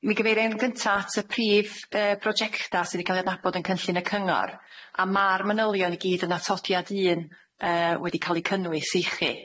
Mi gyfeiria i'n gynta at y prif yy brojecta dy 'di ca'l 'i adnabod yn cynllun y cyngor a ma'r manylion i gyd yn atodiad un yy wedi ca'l 'i cynnwys i chi.